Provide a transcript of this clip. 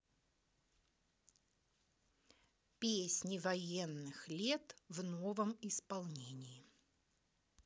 песни военных лет в новом исполнении